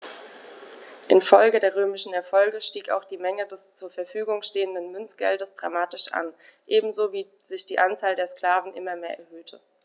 Infolge der römischen Erfolge stieg auch die Menge des zur Verfügung stehenden Münzgeldes dramatisch an, ebenso wie sich die Anzahl der Sklaven immer mehr erhöhte.